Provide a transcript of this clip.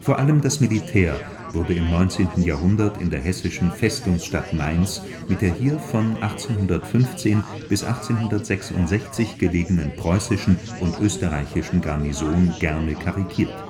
Vor allem das Militär wurde im 19. Jahrhundert in der hessischen Festungsstadt Mainz mit der hier von 1815 - 1866 gelegenen preußischen und österreichischen Garnison gerne karikiert: